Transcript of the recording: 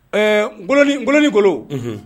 Ɛɛ n nkolonigolo